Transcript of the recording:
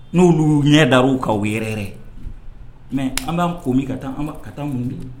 N'olu y'u ɲɛ dar'u kan u bɛ yɛrɛyɛrɛ, m mais an b'an ko min ka taa an ka taa an mun min